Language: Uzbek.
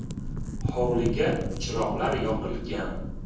hovliga chiroqlar yoqilgan